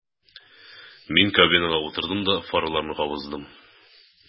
Мин кабинага утырдым да фараларны кабыздым.